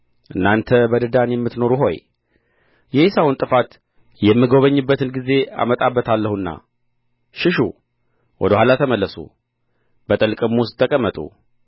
እናንተ በድዳን የምትኖሩ ሆይ የዔሳውን ጥፋት የምጐበኝበትን ጊዜ አመጣበታለሁና ሽሹ ወደ ኋላ ተመለሱ በጥልቅም ውስጥ ተቀመጡ